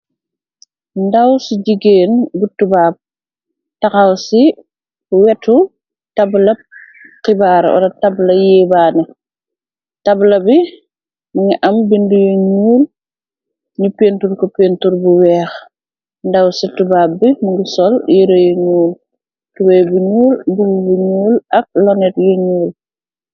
Ndaw su jigéen bu tubaab, taxaw ci wetu tabla xibaar, wala tabla yéebaane, tabla bi mingi am binde yu ñuul, ñu pentur ku pentur bu weex, ndaw ci tubaab bi mungi sol yéré yu ñuul, tubey bu ñuul, mbubu bu ñuul ak lonet yuy ñuul.